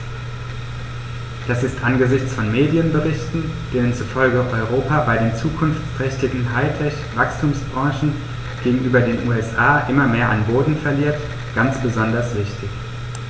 Das ist angesichts von Medienberichten, denen zufolge Europa bei den zukunftsträchtigen High-Tech-Wachstumsbranchen gegenüber den USA immer mehr an Boden verliert, ganz besonders wichtig.